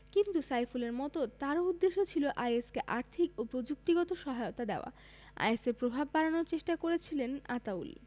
কিন্তু সাইফুলের মতো তারও উদ্দেশ্য ছিল আইএস কে আর্থিক ও প্রযুক্তিগত সহায়তা দেওয়া আইএসের প্রভাব বাড়ানোর চেষ্টা করছিলেন আতাউল